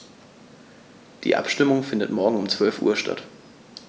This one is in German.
Die Abstimmung findet morgen um 12.00 Uhr statt.